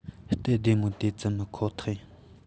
སྟབས བདེ མོ དེ ཙམ མེད ཁོ ཐག ཡིན